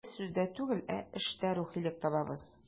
Без сүздә түгел, ә эштә рухилык табабыз.